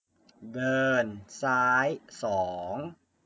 เดินซ้ายสอง